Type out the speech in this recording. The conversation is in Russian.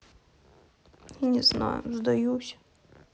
я не знаю сдаюсь